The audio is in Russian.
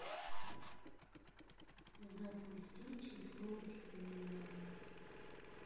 запусти число джина